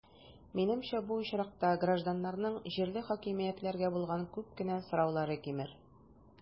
Минемчә, бу очракта гражданнарның җирле хакимиятләргә булган күп кенә сораулары кимер.